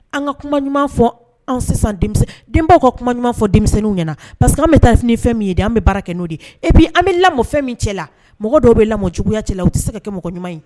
An ka kuma ɲuman fɔ an sisan denminsɛn, denbaw ka kuma ɲuman fɔ denmisɛnninw ɲana na, parce que an bɛ taa ni fɛn min ye dɛ an bɛ baara kɛ n'o de ye et puis an bɛ lamɔ fɛn min cɛla, mɔgɔ dɔw bɛ lamɔ juguyaya cɛla, u tɛ se ka kɛ mɔgɔ ɲuman ye.